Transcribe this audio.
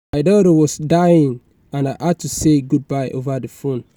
My daughter was dying and I had to say goodbye over the phone